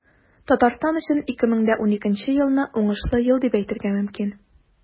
Татарстан өчен 2012 елны уңышлы ел дип әйтергә мөмкин.